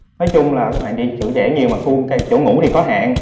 nói chung là các bạn đến chữ đẻ nhiều mà khuôn cây chỗ ngủ thì có hạn